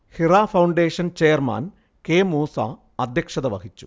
Hira foundation chairman K. Moosa അധ്യക്ഷത വഹിച്ചു